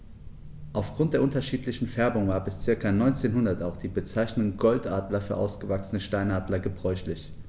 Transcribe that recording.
Auf Grund der unterschiedlichen Färbung war bis ca. 1900 auch die Bezeichnung Goldadler für ausgewachsene Steinadler gebräuchlich.